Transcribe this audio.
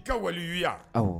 I ka waleya